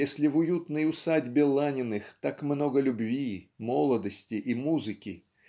если в уютной усадьбе Ланиных так много любви молодости и музыки